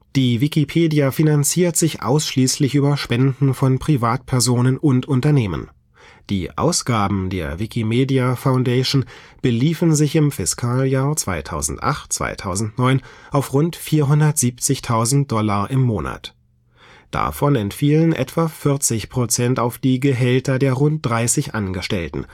Die Wikipedia finanziert sich ausschließlich über Spenden von Privatpersonen und Unternehmen. Die Ausgaben der Wikimedia Foundation beliefen sich im Fiskaljahr 2008/2009 auf rund 470.000 Dollar im Monat. Davon entfielen ca. 40 % auf die Gehälter der rund 30 Angestellten